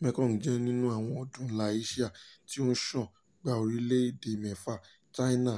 Mekong jẹ́ ọ̀kan nínú àwọn odò ńlá Ásíà tí ó ṣàn gba orílẹ̀-èdè mẹ́fà: China,